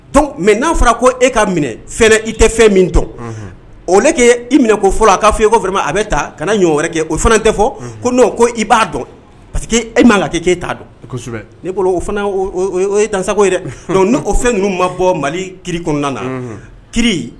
Mɛ n'a fɔra ko e ka minɛɛrɛ i tɛ fɛn min o' i minɛ ko fɔlɔ k'a fɔ i fana a bɛ taa kana ɲɔgɔn wɛrɛ kɛ o fana tɛ fɔ ko n'o ko i b'a dɔn pa que' e m ma'a k''e t'a dɔn n'i o fana tansa ye dɛ don ni o fɛn ninnu ma bɔ mali kiri kɔnɔna na ki